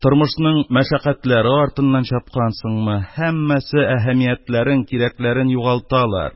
Тормышның мәшәкатьләре артыннан чапкансыңмы — һәммәсе әһәмиятләрен, кирәкләрен югалталар,